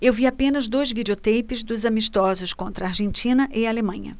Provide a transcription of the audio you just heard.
eu vi apenas dois videoteipes dos amistosos contra argentina e alemanha